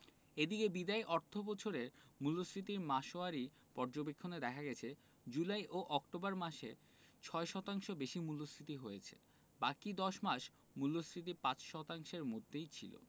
এদিকে বিদায়ী অর্থবছরের মূল্যস্ফীতির মাসওয়ারি পর্যবেক্ষণে দেখা গেছে জুলাই ও অক্টোবর মাসে ৬ শতাংশ বেশি মূল্যস্ফীতি হয়েছে বাকি ১০ মাস মূল্যস্ফীতি ৫ শতাংশের মধ্যেই ছিল